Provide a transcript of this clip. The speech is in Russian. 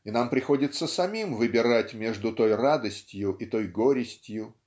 и нам приходится самим выбирать между той радостью и той горестью